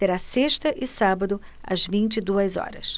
será sexta e sábado às vinte e duas horas